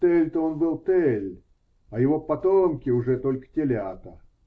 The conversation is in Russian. Телль-то он был Телль, а его потомки уже только телята.